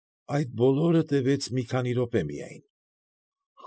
Այս բոլորը տևեց մի քանի րոպե միայն։